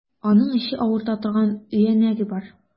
Аның эче авырта торган өянәге бар.